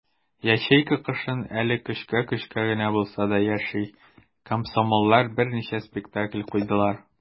Ячейка кышын әле көчкә-көчкә генә булса да яши - комсомоллар берничә спектакль куйдылар.